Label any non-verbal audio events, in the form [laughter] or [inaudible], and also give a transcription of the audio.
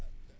[hesitation] [hesitation]